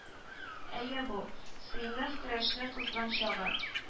Әйе бу - сыйныф көрәшнең кызган чагы